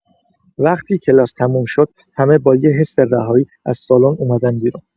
وقتی کلاس تموم شد، همه با یه حس رهایی از سالن اومدن بیرون.